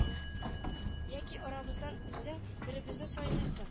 Яки арабыздан үзең беребезне сайлыйсың